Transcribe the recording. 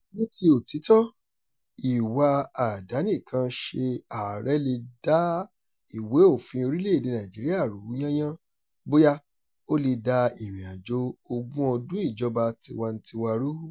Ní ti òtítọ́, ìwà àdánìkanṣe ààrẹ lè da ìwé òfin orílẹ̀-èdè Nàìjíríà rú yányán, bóyá, ó lè da ìrìnàjò ogún ọdún ìjọba tiwantiwa rú.